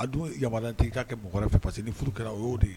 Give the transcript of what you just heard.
A dun ya tɛ k'a kɛ mɔgɔ wɛrɛ fɛ parcesi ni furu kɛra o yeo de ye